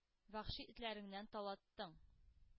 Вәхши этләреңнән талаттың.